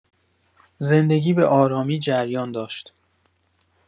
زندگی به‌آرامی جریان داشت.